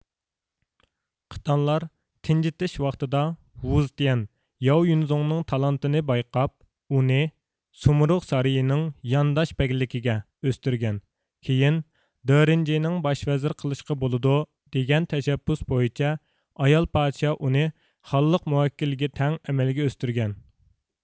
قىتانلار تىنجىتىش ۋاقتىدا ۋۇ زېتيەن ياۋ يۈنزۇڭنىڭ تالانتىنى بايقاپ ئۇنى سۇمرۇغ سارىيىنىڭ يانداش بەگلىكىگە ئۆستۈرگەن كېيىن دېرېنجىنىڭ باش ۋەزىر قىلىشقا بولىدۇ دېگەن تەشەببۇس بويىچە ئايال پادىشاھ ئۇنى خانلىق مۇئەككىلىگە تەڭ ئەمەلگە ئۆستۈرگەن